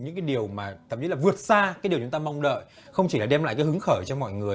những cái điều mà thậm chí là vượt xa cái điều chúng ta mong đợi không chỉ là đem lại cái hứng khởi cho mọi người